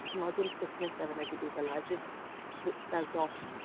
timod, ddim sickness 'da fe na ddim byd fel 'na, jyst b- y- fel dost.